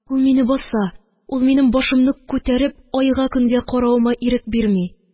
Ул мине баса, ул минем башымны күтәреп айга-көнгә каравыма ирек бирми..